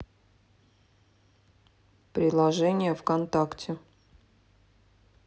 приложение вконтакте